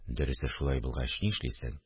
– дөресе шулай булгач нишлисең